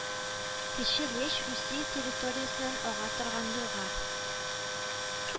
Кече Леч Русия территориясеннән ага торган елга